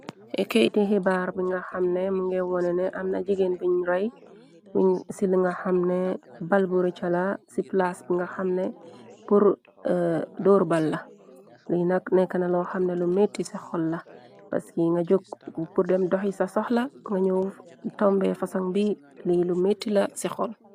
Emkeyiti xibaar bi nga xamne munge wone ne amna jigéen biñ rey i ci nga xamne balburecha la ci plaase bi nga xamne door balla li na nekk na lo xamne lu metti ci xol la paski nga jokk bu pur dem doxi ca soxla ngañoo tombee fasaŋ bi lii lu mitti la ci xol.